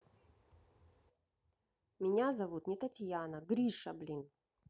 меня зовут не татьяна гриша блин